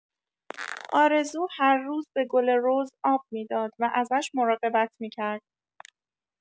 آرزو هر روز به گل رز آب می‌داد و ازش مراقبت می‌کرد.